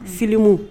Filme